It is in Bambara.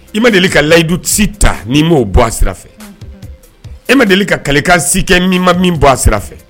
I ma deli ka layidu ci ta ni' i m'o bɔ a sira fɛ e ma deli ka kalilekan si kɛ min ma min bɔ a sira fɛ